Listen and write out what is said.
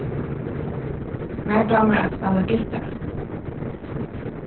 mær dámar at spæla gittara